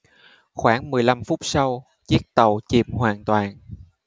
khoảng mười lăm phút sau chiếc tàu chìm hoàn toàn